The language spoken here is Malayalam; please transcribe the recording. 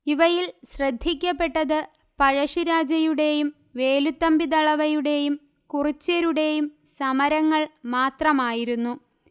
ഇവയിൽ ശ്രദ്ധിക്കപ്പെട്ടത് പഴശ്ശിരാജയുടേയും വേലുത്തമ്പിദളവയുടേയും കുറിച്യരുടേയും സമരങ്ങൾ മാത്രമായിരുന്നു